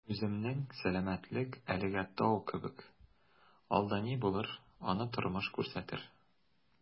Үземнең сәламәтлек әлегә «тау» кебек, алда ни булыр - аны тормыш күрсәтер...